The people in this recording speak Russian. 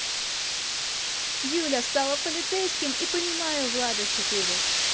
юля стала полицейским и понимаю влада четыре